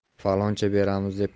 faloncha beramiz deb